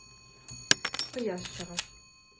Кояш чыга.